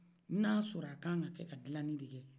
n'a y'a sɔrɔ a ka kan ka dilanni de kɛ